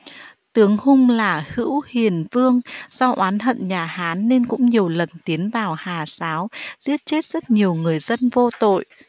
tướng hung là hữu hiền vương do oán hận nhà hán nên cũng nhiều lần tiến vào hà sáo giết chết rất nhiều người dân vô tội